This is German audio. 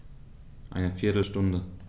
Eine viertel Stunde